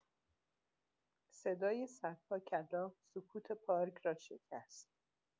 صدای صدها کلاغ، سکوت پارک را شکست.